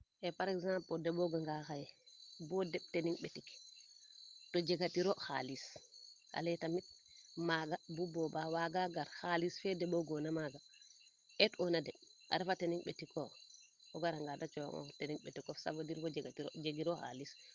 par exemple o deɓoga nga xaye bo deɓ tening mbetik to jega tiro xalis ale tamit maaga bubooba waaga gar xalis fe deɓogoona maaga eet oona demb a refa tening ɓetikoo o gara nga ne coxong tening ɓetikof ca veux dire jega tiro wo jegi ro xalis